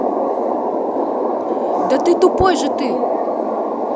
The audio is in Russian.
да ты тупой же ты